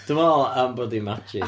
Dwi'n meddwl am bod hi'n magic.